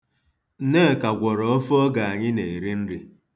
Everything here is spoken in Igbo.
Nneka gwọrọ ofe oge anyị na-eri nri.